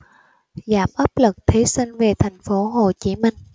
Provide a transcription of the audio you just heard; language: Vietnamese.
giảm áp lực thí sinh về thành phố hồ chí minh